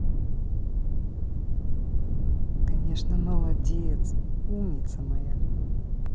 конечно молодец умница моя